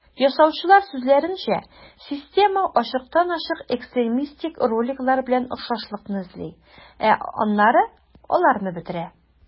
Ясаучылар сүзләренчә, система ачыктан-ачык экстремистик роликлар белән охшашлыкны эзли, ә аннары аларны бетерә.